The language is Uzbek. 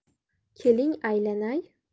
keling aylanay